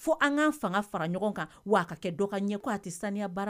Fo an kaan fanga fara ɲɔgɔn kan waa a ka kɛ dɔgɔ ka ɲɛ ko a tɛ saniya baara